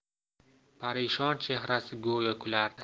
parishon chehrasi go'yo kulardi